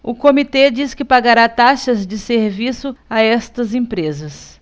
o comitê diz que pagará taxas de serviço a estas empresas